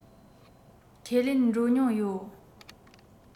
ཁས ལེན འགྲོ མྱོང ཡོད